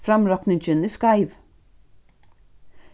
framrokningin er skeiv